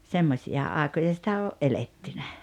semmoisia aikoja sitä on eletty